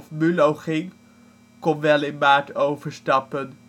mulo ging kon wel in maart overstappen